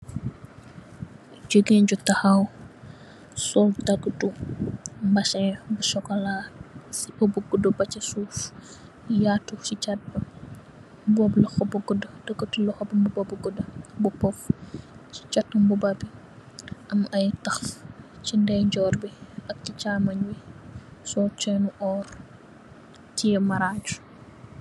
Jegain ju tahaw sol dagetu mazin bu sukola sepa bu goudu base suuf yatou se chate ba mub lahou bu goudu dagete lohou muba bu gouda bu puff se chate muba be am aye taf se ndeyjorr be ak se chamung be sol ccin no orr teye marage be.